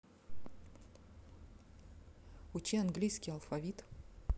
учи английский алфавит